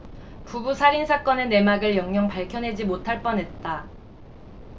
부부 살인 사건의 내막을 영영 밝혀내지 못할 뻔 했다